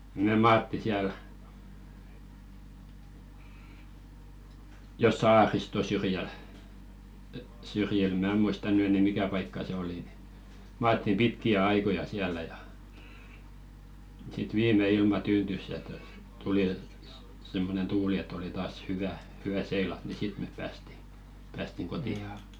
me maattiin siellä jo saariston syrjällä syrjillä minä muista nyt enää mikä paikka se oli niin maattiin pitkiä aikoja siellä ja sitten viimein ilma tyyntyi ja tuota tuli semmoinen tuuli että oli taas hyvä hyvä seilata niin sitten me päästiin päästiin kotiin